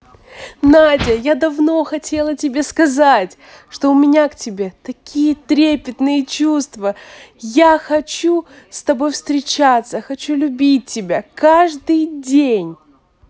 надя я давно хотела тебе сказать что у меня к тебе такие трепетные чувства я хочу с тобой встречаться хочу любить тебя каждый день